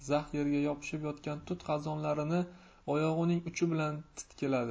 zax yerga yopishib yotgan tut xazonlarini oyog'ining uchi bilan titkiladi